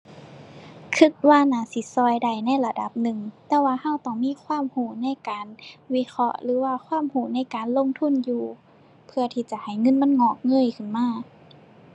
คิดว่าน่าสิคิดได้ในระดับหนึ่ง แต่ว่าคิดต้องมีความคิดในการ วิเคราะห์ หรือว่าความคิดในการลงทุนอยู่ เพื่อที่จะให้เงินมันงอกเงยขึ้นมา